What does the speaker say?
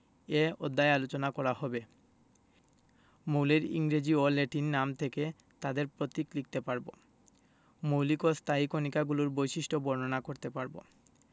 এ অধ্যায়ে আলোচনা করা হবে মৌলের ইংরেজি ও ল্যাটিন নাম থেকে তাদের প্রতীক লিখতে পারব মৌলিক ও স্থায়ী কণিকাগুলোর বৈশিষ্ট্য বর্ণনা করতে পারব